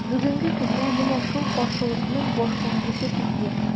Бүгенге көндә – менә шул каршылыкның башлангычы төсле.